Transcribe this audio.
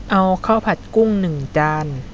เอาข้าวผัดกุ้งหนึ่งจาน